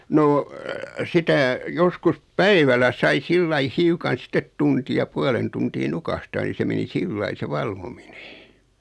no sitä joskus päivällä sai sillä lailla hiukan sitten tunnin ja puolen tuntia nukahtaa niin se meni sillä lailla se valvominen